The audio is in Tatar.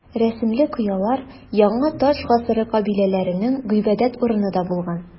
Рәсемле кыялар яңа таш гасыры кабиләләренең гыйбадәт урыны да булган.